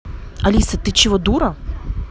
алиса ты чего дура